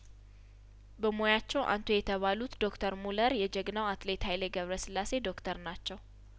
በሙያቸው አንቱ የተባሉት ዶክተር ሙለር የጀግናው አትሌት ሀይሌ ገብረስላሴ ዶክተር ናቸው